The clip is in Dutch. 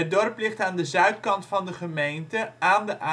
dorp ligt aan de zuidkant van de gemeente, aan de A7